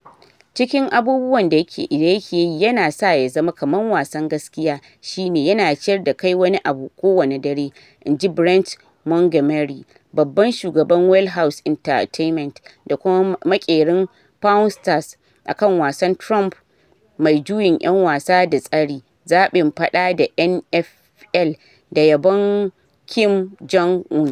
“Cikin abubuwan da yake yi yana sa ya zama kamar wasan gaskia shi ne yana ciyar da kai wani abu kowane dare,” inji Brent Mongomery, babban shugaban Wheelhouse Entertainment da kuma makerin “Pawn Stars,” akan wasan Trump mai juyin yan wasa da tsari (zabin faɗa da N.F.L, da yabon Kim Jong-un).